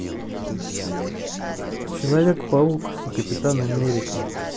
человек паук и капитан америка